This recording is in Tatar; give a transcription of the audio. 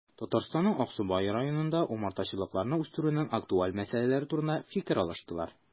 Татарстанның Аксубай районында умартачылыкны үстерүнең актуаль мәсьәләләре турында фикер алыштылар